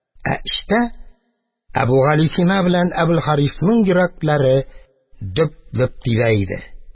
Ә эчтә Әбүгалисина белән Әбелхарисның йөрәкләре дөп-дөп тибә иде.